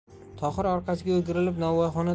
tohir orqasiga o'girilib novvoyxona